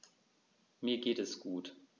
Mir geht es gut.